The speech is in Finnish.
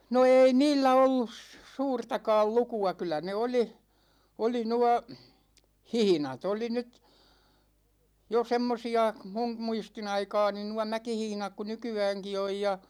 no ei niillä ollut suurtakaan lukua kyllä ne oli oli nuo hihnat oli nyt jo semmoisia minun muistin aikaani nuo mäkihihnat kuin nykyäänkin on ja